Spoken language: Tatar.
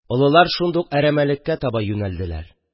Олылар шундук әрәмәлеккә таба юнәлделәр.